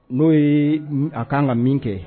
N'o ye a kan ka min kɛ